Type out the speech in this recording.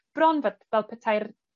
Bron fel fel petai'r